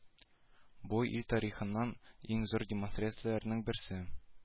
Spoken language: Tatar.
Бу ил тарихында иң зур демонстрацияләрнең берсе